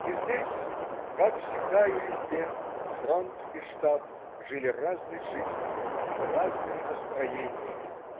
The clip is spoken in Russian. И здесь, как всегда и везде, фронт и штаб жили разной жизнью, разными настроениями.